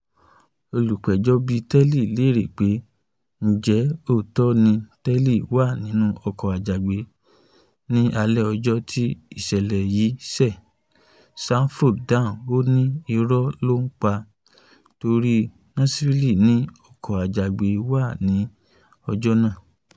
Olùpẹjọ́ bíi Tellis léèerè pé ǹjẹ́ òótọ́ ni Tellis wà nínú ọkọ̀-ajàgbé ní alẹ́ ọjọ́ tí ìṣẹlẹ̀ yí ṣẹ̀? Sanford dáhùn. Ó ní “Irọ́ ló pa a torí Nashville ni ọkọ̀-ajàgbe wà ní ọjọ́ náà.